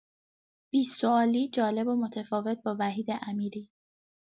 ۲۰ سوالی جالب و متفاوت با وحید امیری